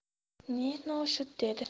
he noshud dedi